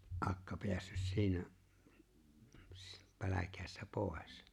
akka päässyt siinä - pälkähästä pois